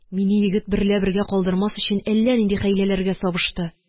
Мине егет берлә бергә калдырмас өчен, әллә нинди хәйләләргә сабышты